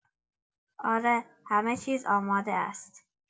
اره، همه‌چیز آماده است.